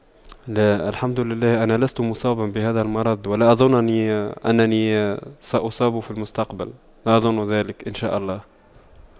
لا الحمد لله أنا لست مصابا بهذا المرض ولا أظن أني أنني سأصاب في المستقبل لا اظن ذلك إن شاء الله